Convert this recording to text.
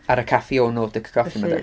Ar y Caffeo Nordic Coffee .